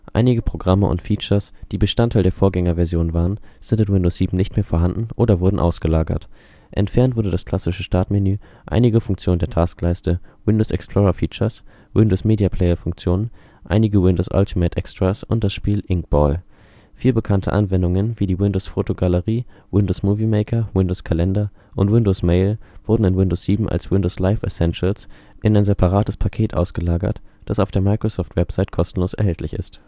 Einige Programme und Features, die Bestandteil der Vorgängerversion waren, sind in Windows 7 nicht mehr vorhanden oder wurden ausgelagert. Entfernt wurden das klassische Startmenü, einige Funktionen der Taskleiste, Windows-Explorer-Features, Windows-Media-Player-Funktionen, einige Windows-Ultimate-Extras und das Spiel InkBall. Vier bekannte Anwendungen, wie die Windows-Fotogalerie, Windows Movie Maker, Windows-Kalender und Windows Mail, wurden in Windows 7 als Windows Live Essentials in ein separates Paket ausgelagert, das auf der Microsoft-Website kostenlos erhältlich ist